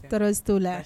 Tɔɔrɔ t'o la